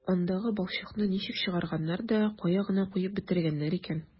Андагы балчыкны ничек чыгарганнар да кая гына куеп бетергәннәр икән...